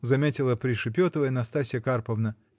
-- заметила, пришепетывая, Настасья Карповна.